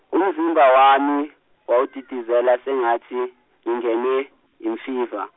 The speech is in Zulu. umzimba wami wawudidizela sengathi ngingenwe imfiva.